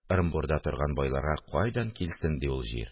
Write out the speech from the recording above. – ырымбурда торган байларга кайдан килсен ди ул җир